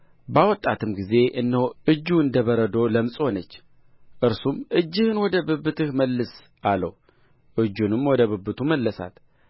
ባወጣትም ጊዜ እነሆ እጁ እንደ በረዶ ለምጽ ሆነች እርሱም እጅህን ወደ ብብትህ መልስ አለው እጁንም ወደ ብብቱ መለሳት